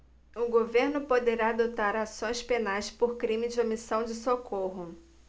o governo poderá adotar ações penais por crime de omissão de socorro